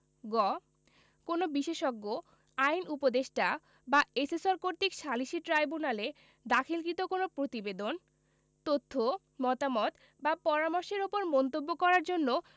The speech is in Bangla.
গ কোন বিশেষজ্ঞ আইন উপদেষ্টা বা এসেসর কর্তৃক সালিসী ট্রাইব্যুনালে দাখিলকৃত কোন প্রতিবেদন তথ্য মতামত বা পরামর্শের উপর মন্তব্য করার জন্য